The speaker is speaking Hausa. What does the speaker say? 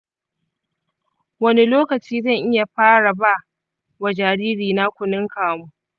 wane lokaci zan iya fara ba wa jaririna kunun kamu ?